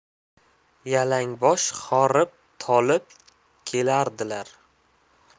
yalangbosh horib tolib kelardilar